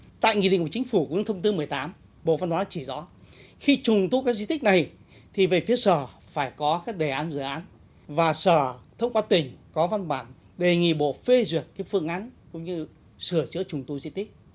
tại nghị định của chính phủ cũng như thông tư mười tám bộ văn hóa chỉ rõ khi trùng tu các di tích này thì về phía sở phải có cái đề án dự án và sở thông qua tỉnh có văn bản đề nghị bộ phê duyệt phương án cũng như sửa chữa trùng tu di tích